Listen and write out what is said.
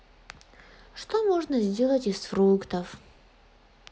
что можно сделать из фруктов